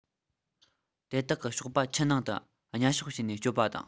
དེ དག གི གཤོག པ ཆུ ནང དུ ཉ གཤོག བྱས ནས སྤྱོད པ དང